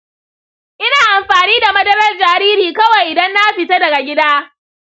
ina amfani da madarar jariri kawai idan na fita daga gida.